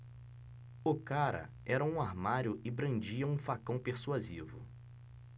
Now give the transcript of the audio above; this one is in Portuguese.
o cara era um armário e brandia um facão persuasivo